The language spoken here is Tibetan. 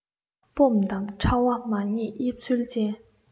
སྦོམ དང ཕྲ བ མ ངེས དབྱིབས ཚུལ ཅན